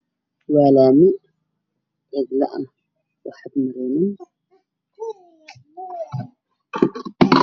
Waa laami cidlo ah waxbana oolin